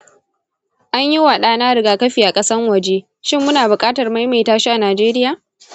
an yi wa ɗana rigakafi a ƙasan waje; shin muna buƙatar maimaita shi a najeriya?